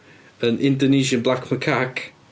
An Indonesian black macaque...